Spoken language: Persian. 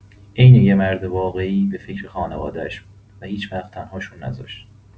عین یه مرد واقعی به فکر خانوادش بود و هیچ‌وقت تن‌هاشون نذاشت.